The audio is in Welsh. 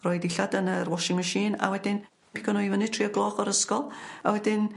roi dillad yn yr washing machine a wedyn pigo n'w i fyny tri o gloch o'r ysgol a wedyn